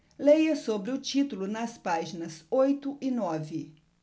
leia sobre o título nas páginas oito e nove